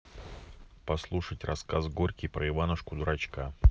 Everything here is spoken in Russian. послушать рассказ горький про иванушку дурачка